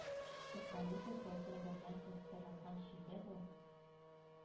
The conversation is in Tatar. Суккалыйдыр балта берлән кыстырылган чөйгә бу,